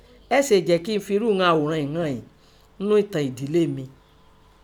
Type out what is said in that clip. Ẹ̀ sèè jẹ́ kín n firú ìnọn àòrán ìín hàn ín ńnú ìntàn edílé mi.